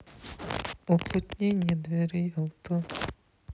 уплотнение дверей авто